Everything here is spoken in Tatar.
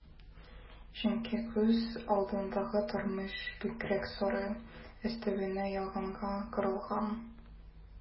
Чөнки күз алдындагы тормыш бигрәк соры, өстәвенә ялганга корылган...